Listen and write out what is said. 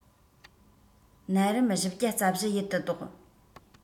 ནད རིམས བཞི བརྒྱ རྩ བཞི ཡུལ དུ བཟློག